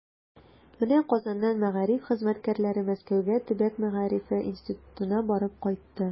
Менә Казаннан мәгариф хезмәткәрләре Мәскәүгә Төбәк мәгарифе институтына барып кайтты.